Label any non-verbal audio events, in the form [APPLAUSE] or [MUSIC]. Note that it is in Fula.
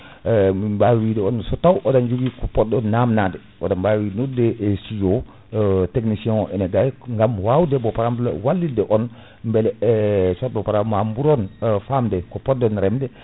[HESITATION] min bawi wide so taw oɗon jogui ko podɗon namnade oɗon mbawi noddude e studio [HESITATION] technicien o ene bay gam wawde mo * wallide on [BREATH] beele e [HESITATION] so bo * ma ɓuuron famde ko podɗen reemde [BREATH]